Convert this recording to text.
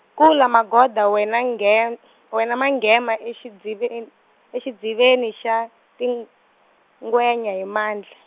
kula Magoda wena nghen- , wena Manghena exidziven-, exidziveni xa, tingwenya hi mandla.